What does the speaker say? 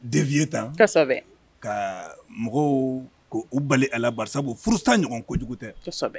Denye tan ka mɔgɔw ko u bali alasa furuɲɔgɔn ko kojugu tɛ